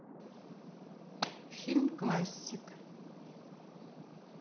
фильм классик